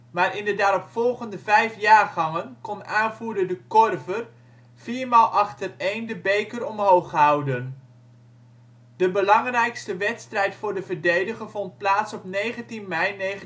maar in de daaropvolgende vijf jaargangen kon aanvoerder De Korver viermaal achtereen de beker omhooghouden. De belangrijkste wedstrijd voor de verdediger vond plaats op 19 mei 1912